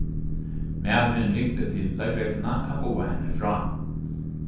maðurin ringdi til løgregluna at boða henni frá